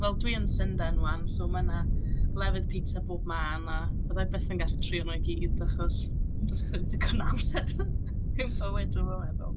Wel dwi yn Llundain 'wan, so mae 'na lefydd pitsa bob man. A fydda i byth yn gallu trio nhw i gyd, achos does 'na ddim digon amser mewn bywyd, dwi'm yn meddwl!